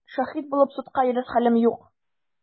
Шаһит булып судка йөрер хәлем юк!